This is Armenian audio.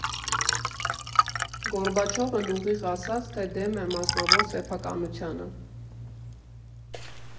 Գորբաչովն ուղիղ ասաց, թե դեմ է մասնավոր սեփականությանը։